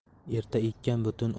erta ekkan butun